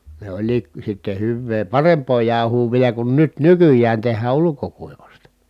ne olikin sitten hyvää parempaa jauhoa vielä kun nyt nykyään tehdään ulkokuivasta